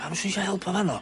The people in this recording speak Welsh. Pam sw ni isio help o fanno?